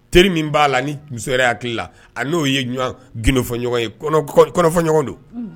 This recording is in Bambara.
Teri min ba la ni muso yɛrɛ hakili la a no ye ɲɔgɔn gundofɔ ɲɔgɔn ye. Kɔrɔfɔ ɲɔgɔn don.